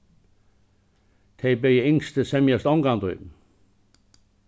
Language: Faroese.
tey bæði yngstu semjast ongantíð